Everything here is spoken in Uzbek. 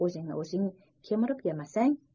o'zingni o'zing kemirib yemasang